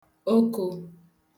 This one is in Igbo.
okō